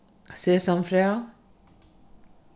sesamfræ